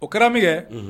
O kɛra min ye